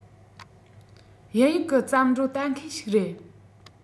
དབྱིན ཡིག གི བརྩམས སྒྲུང ལྟ མཁན ཞིག རེད